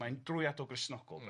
Mae'n drwyadl Gristnogol...M-hm...